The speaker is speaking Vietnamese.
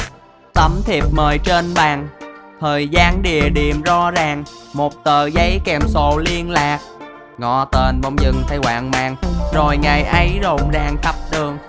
tấm thiệp mời trên bàn thời gian địa điểm rõ ràng một tờ giấy kèm sổ liên lạc ngó tên bỗng dưng thấy hoang mang rồi ngày ấy rộn ràng khắp đường